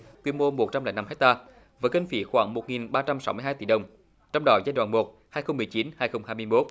quy mô một trăm lẻ năm héc ta với kinh phí khoảng một nghìn ba trăm sáu mươi hai tỷ đồng trong đó giai đoạn một hai không mười chín hai không hai mươi mốt